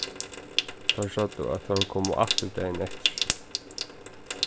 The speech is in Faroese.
teir søgdu at teir komu aftur dagin eftir